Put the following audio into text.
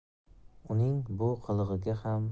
uning bu qilig'iga ham